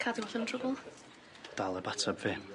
Cadw allan o trwbwl. Dal eb atab fi.